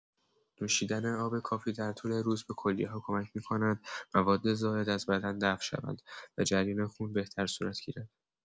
نوشیدن آب کافی در طول روز، به کلیه‌ها کمک می‌کند مواد زائد از بدن دفع شوند و جریان خون بهتر صورت گیرد.